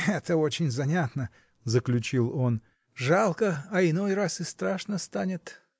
— Это очень занятно, — заключил он, — жалко, а иной раз и страшно станет!